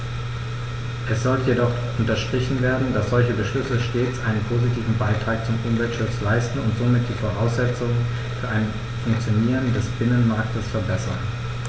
Es sollte jedoch unterstrichen werden, dass solche Beschlüsse stets einen positiven Beitrag zum Umweltschutz leisten und somit die Voraussetzungen für ein Funktionieren des Binnenmarktes verbessern.